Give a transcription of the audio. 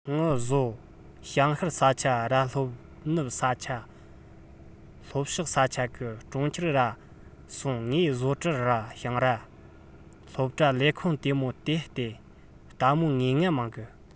ངུ བཟོ བྱང ཤར ས ཆ ར ལྷོ ནུབ ས ཆ ལྷོ ཕྱོགས ས ཆ གི གྲོང ཁྱེར ར སོང ངས བཟོ གྲྭ ར ཞིང ར སློབ གྲྭ ལས ཁུངས དེ མོ དེ བལྟས ལྟད མོ ངེས ངེས མང གི